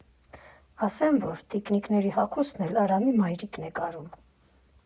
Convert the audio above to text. ֊ Ասեմ, որ տիկնիկների հագուստն էլ Արամի մայրիկն է կարում։